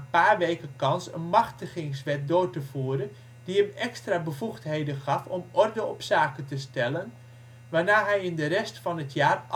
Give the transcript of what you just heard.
paar weken kans een machtigingswet door te voeren die hem extra bevoegdheden gaf om ' orde op zaken te stellen ', waarna hij in de rest van het jaar